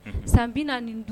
San bi nin dun du